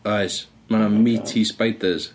Oes. Mae 'na meaty spiders.